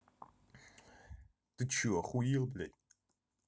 ты че охуел блядь